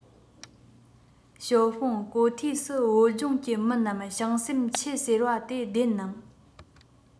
ཞའོ ཧྥུང གོ ཐོས སུ བོད ལྗོངས ཀྱི མི རྣམས བྱང སེམས ཆེ ཟེར བ དེ བདེན ནམ